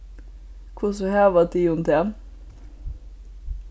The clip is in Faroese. hvussu hava tygum tað